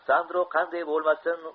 sandro qanday bo'lmasin